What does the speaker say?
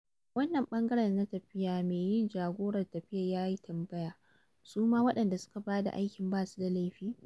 A wannan ɓangaren na tafiyar, mai yi jagorar tafiyar ya yi tambaya: su ma waɗanda suka ba ta aiki ba su da laifi?